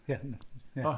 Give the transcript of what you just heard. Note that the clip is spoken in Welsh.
Ie. Ie.